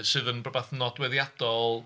Sydd yn rywbeth nodweddiadol...